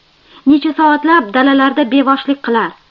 necha soatlab dalalarda beboshlik qilar